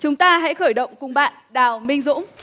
chúng ta hãy khởi động cùng bạn đào minh dũng